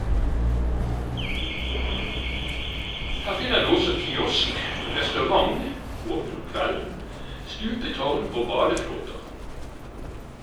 Her finner du også kiosk, restaurant (åpen om kvelden), stupetårn og badeflåter.